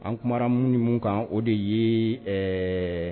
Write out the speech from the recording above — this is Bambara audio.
An kumara mun ni mun kan o de ye ɛɛ